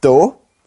Do.